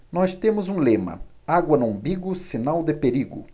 nós temos um lema água no umbigo sinal de perigo